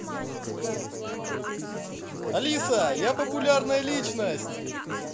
алиса я популярная личность